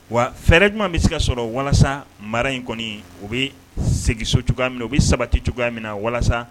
Wa fɛɛrɛ jumɛn bɛ se ka sɔrɔ walasa mara in kɔni u bɛ segso cogoya minɛ u bɛ sabati cogoya minɛ na walasa